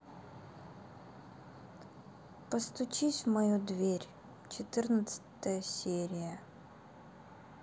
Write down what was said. постучись в мою дверь четырнадцатая серия